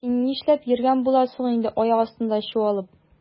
Син нишләп йөргән буласың инде аяк астында чуалып?